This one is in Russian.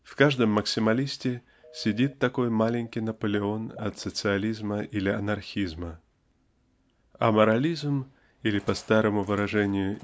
В каждом максималисте сидит такой маленький Наполеон от социализма или анархизма. Аморализм или по старому выражению